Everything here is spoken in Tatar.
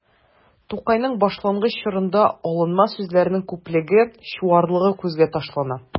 Тукайның башлангыч чорында алынма сүзләрнең күплеге, чуарлыгы күзгә ташлана.